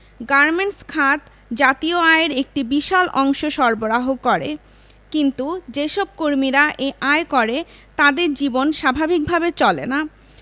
garments খাত জাতীয় আয়ের একটি বিশাল অংশ সরবরাহ করে কিন্তু যেসব কর্মীরা এই আয় করে তাদের জীবন স্বাভাবিক ভাবে চলে না